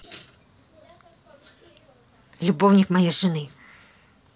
любовник моей жены